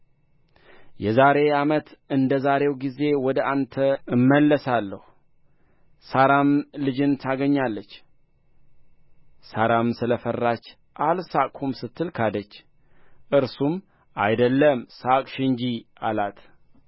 የዛሬ ዓመት እንደ ዛሬው ጊዜ ወደ አንተ እመለሳለሁ ሣራም ልጅን ታገኛለች ሣራም ስለ ፈራች አልሳቅሁም ስትል ካደች እርሱም አይደለም ሳቅሽ እንጂ አላት